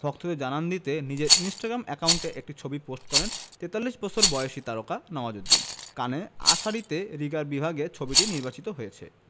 ভক্তদের জানান দিতে নিজের ইনস্টাগ্রাম অ্যাকাউন্টে একটি ছবি পোস্ট করেন ৪৩ বছর বয়সী তারকা নওয়াজুদ্দিন কানে আঁ সারতে রিগার বিভাগে ছবিটি নির্বাচিত হয়েছে